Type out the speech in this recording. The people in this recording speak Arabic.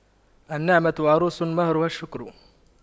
النعمة عروس مهرها الشكر